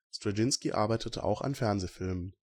Straczynski arbeitete auch an Fernsehfilmen